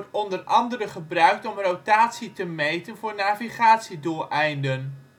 onder andere gebruikt om rotatie te meten voor navigatiedoeleinden